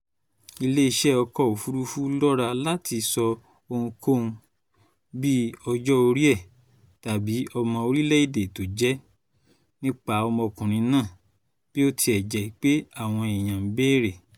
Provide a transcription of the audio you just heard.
Ilé-iṣẹ́ ọkọ̀-òfúrufú lọ́ra láti sọ ohunkóhun, bíi ọjọ-orí ẹ̀ tàbí ọmọ orílẹ̀-èdè tó jẹ́, nípa ọmọkùnrin náà bí ó tilẹ̀ jẹ́ pé àwọn èèyàn bèrè.